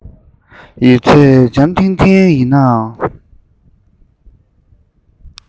ཡོད ཚད འཇམ ཐིང ཐིང ཡིན ནའང